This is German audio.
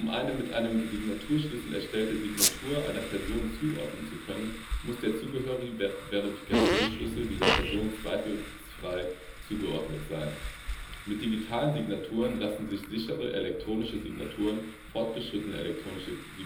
eine mit einem Signaturschlüssel erstellte Signatur einer Person zuordnen zu können, muss der zugehörige Verifikationsschlüssel dieser Person zweifelsfrei zugeordnet sein. Mit digitalen Signaturen lassen sich sichere elektronische Signaturen (fortgeschrittene elektronische